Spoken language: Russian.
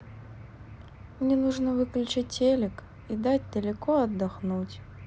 мне нужно выключить телек и дать далеко отдохнуть